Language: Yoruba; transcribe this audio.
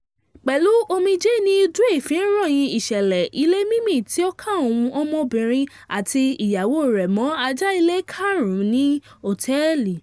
Pẹ̀lú omijé ni Dwi fi ń ròyìn ìṣẹ̀lẹ ilẹ̀ mímì tí ó ká òun, ọmọbìnrin àti iyawo re mọ́ àjà-ile karùn-ún ní hòtẹ́ẹ̀lì.